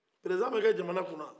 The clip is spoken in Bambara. peresidan be kɛ jamana kunna